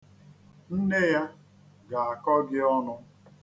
Nne ya ga-akọ gị ọnụ.